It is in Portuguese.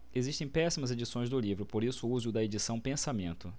existem péssimas edições do livro por isso use o da edição pensamento